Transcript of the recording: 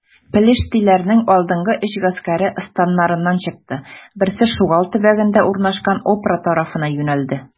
Пелештиләрнең алдынгы өч гаскәре, станнарыннан чыкты: берсе Шугал төбәгендә урнашкан Опра тарафына юнәлде.